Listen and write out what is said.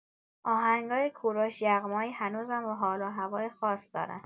آهنگای کوروش یغمایی هنوزم حال‌وهوای خاص دارن.